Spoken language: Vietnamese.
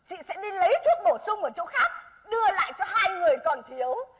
chị sẽ đi lấy thuốc bổ sung ở chỗ khác đưa lại cho hai người còn thiếu